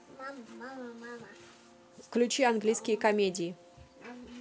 включи английские комедии